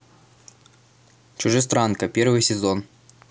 чужестранка первый сезон